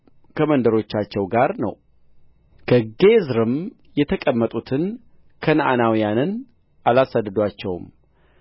ከመንደሮቻቸው ጋር ነው በጌዝርም የተቀመጡትን ከነዓናውያንን አላሳደዱአቸውም